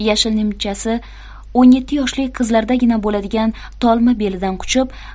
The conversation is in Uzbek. yashil nimchasi o'n yetti yoshlik qizlardagina bo'ladigan tolma belidan quchib